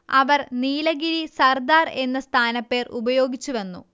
അവർ നീലഗിരി സർദാർ എന്ന സ്ഥാനപ്പേർ ഉപയോഗിച്ചു വന്നു